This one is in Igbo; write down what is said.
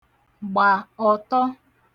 gbà ọ̀tọ